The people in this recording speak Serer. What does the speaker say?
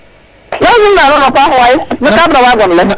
maxey sim na nuun a paax waay kam rawa gon le